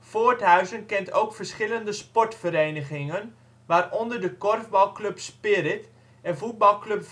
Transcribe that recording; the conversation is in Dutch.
Voorthuizen kent ook verschillende sportverenigingen, waaronder de korfbalclub Spirit en voetbalclub